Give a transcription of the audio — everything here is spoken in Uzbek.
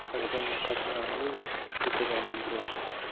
sakrab muqaddamning ketidan yugurdi